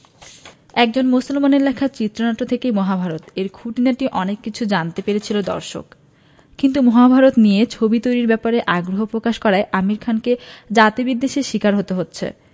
একজন মুসলমানের লেখা চিত্রনাট্য থেকেই মহাভারত এর খুঁটিনাটি অনেক কিছু জানতে পেরেছিল দর্শক কিন্তু মহাভারত নিয়ে ছবি তৈরির ব্যাপারে আগ্রহ প্রকাশ করায় আমির খানকে জাতিবিদ্বেষের শিকার হতে হচ্ছে